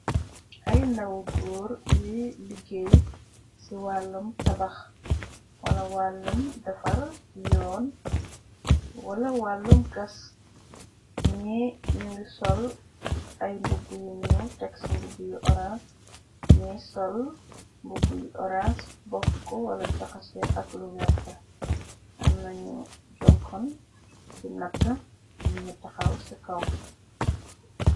Ay ndawu góor yuy liggéey ci wàllum tabax wala wàllum defar yoon wala wàllum gas i ñu ngi sol ay mbubbu yu ñu texci mbu bu yu horange ñiy sol mbu buy orange bokk wala jaxase ak lu werta amnañu jonkon di natt mñu taxaw ci kaw.